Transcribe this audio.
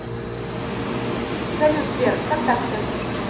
салют сбер вконтакте